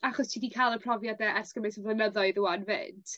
Achos ti 'di ca'l y profiade ers cymint o fynyddoedd ŵan 'fyd